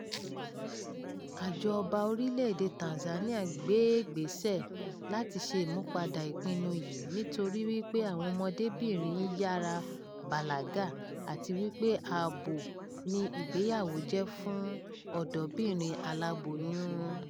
Àjọ ọba orílẹ̀ èdèe Tanzania gbéègbésẹ̀ láti ṣe ìmúpadà ìpinnu yìí, nítorí wípé àwọn ọmọdébìnrin ń yára bàlágà àti wípé ààbò ni ìgbéyàwó jẹ́ fún ọ̀dọ́bìnrin aláboyún.